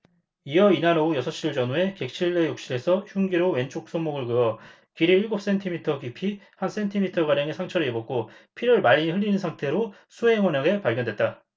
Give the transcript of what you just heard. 이어 이날 오후 여섯 시를 전후해 객실 내 욕실에서 흉기로 왼쪽 손목을 그어 길이 일곱 센티미터 깊이 한 센티미터가량의 상처를 입었고 피를 많이 흘린 상태로 수행원에게 발견됐다